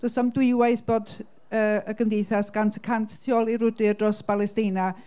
does na'm dwywaith bod yy y gymdeithas gant y cant tu ôl i'r frwydr dros Balesteina.